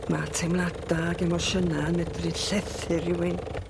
Ma' teimlada ag emosiyna yn medru llethu rhywun